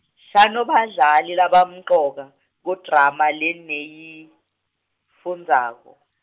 shano badlali labamcoka kudrama leniyifundzako.